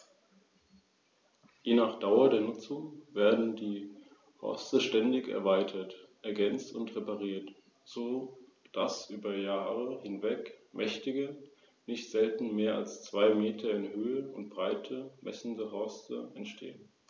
Weibchen wiegen 3,8 bis 6,7 kg, die leichteren Männchen 2,8 bis 4,6 kg. Steinadler haben 11 Handschwingen, die äußerste (11.) Handschwinge ist jedoch sehr klein.